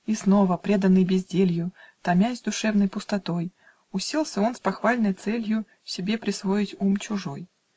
И снова, преданный безделью, Томясь душевной пустотой, Уселся он - с похвальной целью Себе присвоить ум чужой